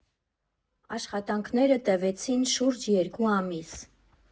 Աշխատանքները տևեցին շուրջ երկու ամիս։